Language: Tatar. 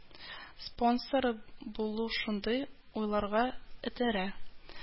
Спонсоры булу шундый уйларга этерә